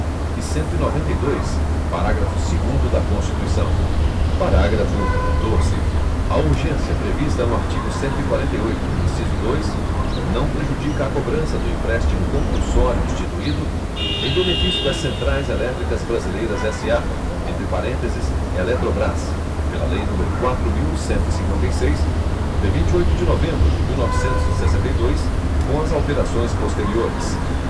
e cento e noventa e dois parágrafo segundo da constituição parágrafo doze a urgência prevista no artigo cento e quarenta e oito inciso dois não prejudica a cobrança do empréstimo compulsório instituído em benefício das centrais elétricas brasileiras sa entre parênteses eletrobrás pela lei número quatro mil cento e cinquenta e seis de vinte e oito de novembro de mil e novecentos e sessenta e dois com as alterações posteriores